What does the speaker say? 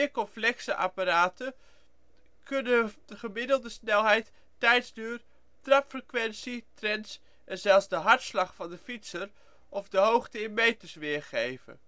complexe apparaten kunnen gemiddelde snelheid, tijdsduur, trapfrequentie, trends, en zelfs de hartslag van de fietser of de hoogte in meters weergeven